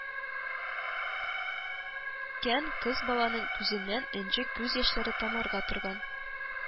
Кән кыз баланың күзеннән энҗе күз яшьләре тамарга торган